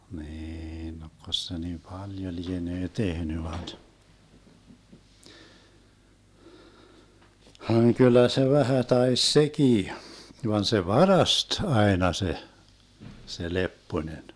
niin tokko se niin paljon lienee tehnyt vai vaan kyllä se vähän taisi sekin vaan se varasti aina se se Lepponen